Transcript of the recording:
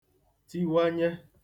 tiwanye